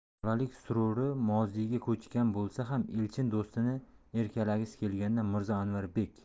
bolalik sururi moziyga ko'chgan bo'lsa ham elchin do'stini erkalagisi kelganda mirzo anvarbek